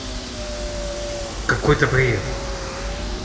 какой то бред